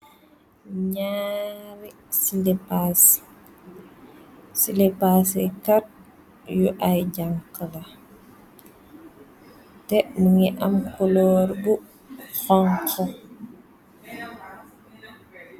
Ñaari silipàs, silipàs yi kat yu ay janxa la, teh mu ngi am kulor bu xonxu.